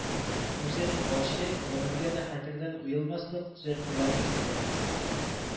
Үзенең ачы, гомергә дә хәтердән уелмаслык төзәтмәләрен кертә